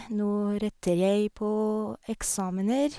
Nå retter jeg på eksamener.